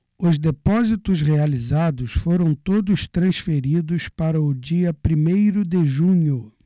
os depósitos realizados foram todos transferidos para o dia primeiro de junho